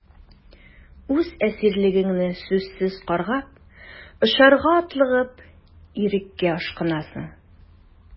Үз әсирлегеңне сүзсез каргап, очарга атлыгып, иреккә ашкынасың...